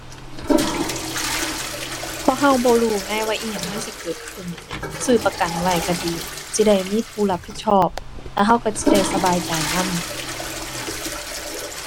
เพราะเราบ่รู้ไงว่าอิหยังมันสิเกิดขึ้น ซื้อประกันไว้เราดี สิได้มีผู้รับผิดชอบ แล้วเราเราสิได้สบายใจนำ